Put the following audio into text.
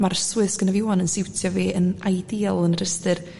ma'r swydd sydd geno fi 'ŵan yn siwtio fi yn ideal yn yr ystyr